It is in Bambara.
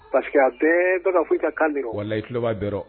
Pa que a bɛɛ bɛɛ foyi i ka kan di wa la i tuloba dɔrɔn